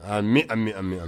Min an bɛ an bɛ